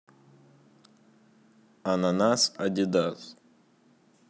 ананас адидас